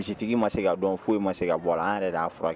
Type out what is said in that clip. Misitigi ma se ka dɔn foyi ma se ka bɔ a la. An yɛrɛ de ya furakɛ.